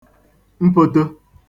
mpōtō